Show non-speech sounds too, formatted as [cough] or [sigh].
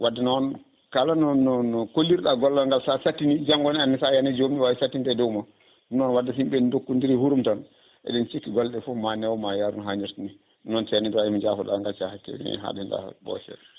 wadde noom kala no no kollirɗa gollal ngal sa sattini janggone anne sa yaani e joomum ne wawi sattinde e dow ma ɗum noon wadde so yimɓe dokkodiri hurum tan eɗen cikki golle ɗe foof ma neewo ma yaaru no hannirta ni ɗum noon ceerno Ibrahima jaafoɗa gacva hakke ha [hesitation] ɓooya seeɗa